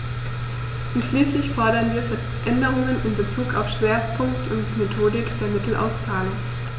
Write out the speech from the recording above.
Und schließlich fordern wir Veränderungen in bezug auf Schwerpunkt und Methodik der Mittelauszahlung.